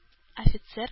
Офицер